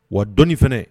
Wa dɔnni fana